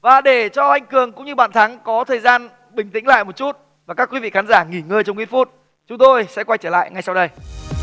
và để cho anh cường cũng như bạn thắng có thời gian bình tĩnh lại một chút và các quý vị khán giả nghỉ ngơi trong ít phút chúng tôi sẽ quay trở lại ngay sau đây